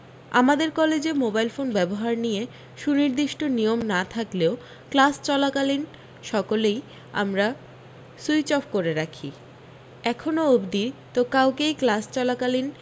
আমাদের কলেজে mobile phone ব্যবহার নিয়ে সুনির্দিষ্ট নিয়ম না থাকলেও ক্লাস চলাকালীন সকলেই আমরা সুইচ অফ করে রাখি এখনও অবধি তো কাউকেই ক্লাস চলাকালীন